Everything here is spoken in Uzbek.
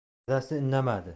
dadasi indamadi